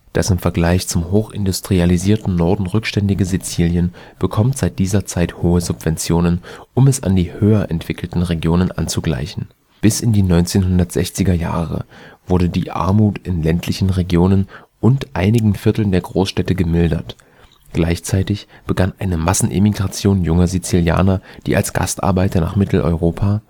Das im Vergleich zum hochindustrialisierten Norden rückständige Sizilien bekommt seit dieser Zeit hohe Subventionen, um es an die höher entwickelten Regionen anzugleichen. Bis in die 1960er Jahre wurde die Armut in ländlichen Regionen und einigen Vierteln der Großstädte gemildert, gleichzeitig begann eine Massenemigration junger Sizilianer, die als Gastarbeiter nach Mitteleuropa